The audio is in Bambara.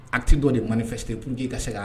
Ati dɔ de man fɛte puru que ii ka segin